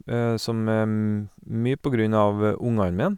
Som er m mye på grunn av ungene mine.